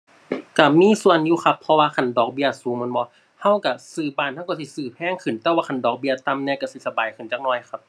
ก็มีส่วนอยู่ครับ เพราะว่าคันดอกเบี้ยสูงแม่นบ่ ก็ก็ซื้อบ้าน ก็ก็สิซื้อแพงขึ้น แต่ว่าคันดอกเบี้ยต่ำแหน่ก็สิสบายขึ้นจักหน่อยครับ